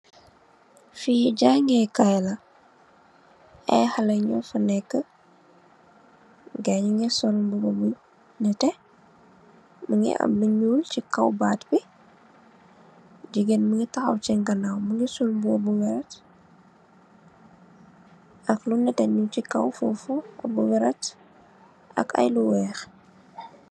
Fi jangex kai la ay xale nyu fi neka gaay nyugi sol mbuba bu nete mongi am lu nuul si kaw baat bi jigeen mung si ganaw mongi sol mbuba bu wert ak lu nete mung si kaw fofu ak ay lu wellet.